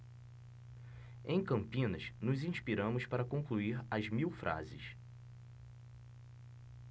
em campinas nos inspiramos para concluir as mil frases